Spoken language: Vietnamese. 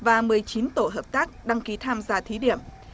và mười chín tổ hợp tác đăng ký tham gia thí điểm